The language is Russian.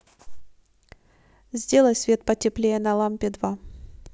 сделай свет потеплее на лампе два